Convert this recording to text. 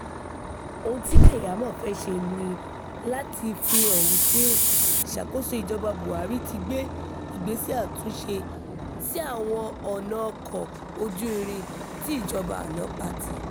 Ohun tí Keyamo fẹ́ ṣe ni láti fi hàn wípé ìṣàkóso ìjọba Buhari ti gbé ìgbésẹ̀ àtúnṣe sí àwọn ọ̀nà ọkọ̀ọ ojú irin tí ìjọba àná pa tì.